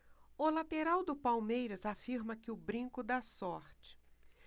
o lateral do palmeiras afirma que o brinco dá sorte